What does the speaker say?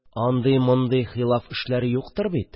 Андый-мондый хилаф эшләре юктыр бит?